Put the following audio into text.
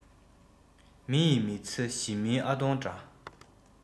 མི ཡིས མི ཚེ ཞི མིའི ཨ སྟོང འདྲ